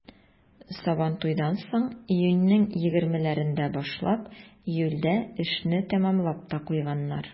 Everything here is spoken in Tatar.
Сабантуйдан соң, июньнең егермеләрендә башлап, июльдә эшне тәмамлап та куйганнар.